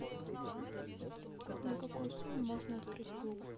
на какую сумму можно открыть клуб